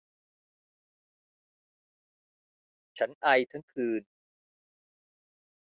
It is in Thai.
ฉันไอทั้งคืน